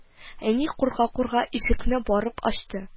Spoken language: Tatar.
Әни, курка-курка, ишекне барып ачты